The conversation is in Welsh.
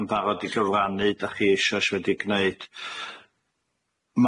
yn barod i gyfrannu 'dach chi ishoes wedi gneud.